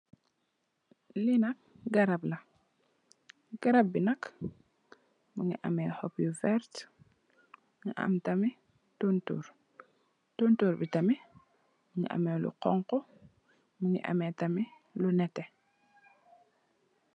Li nak garab la, garab bi nak mungi ameh hoop yu vert mu am tamit tontorr. Tontorr bi tamit mungi ameh lu honku, mungi ameh tamit lu nètè.